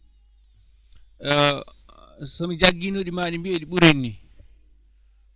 so mi jaggiino ɗi maɗi mbiye ɗi ɓuriino ni